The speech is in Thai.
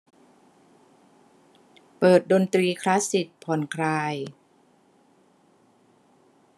เปิดดนตรีคลาสสิคผ่อนคลาย